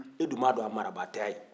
e dun b'a dɔn a marabaa tɛ a ye